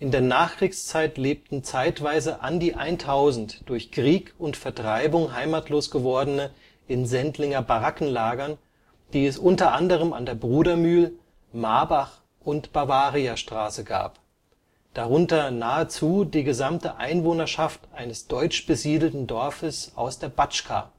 der Nachkriegszeit lebten zeitweise an die 1000 durch Krieg und Vertreibung heimatlos Gewordene in Sendlinger Barackenlagern, die es unter anderem an der Brudermühl -, Marbach - und Bavariastraße gab, darunter nahezu die gesamte Einwohnerschaft eines deutsch besiedelten Dorfes aus der Batschka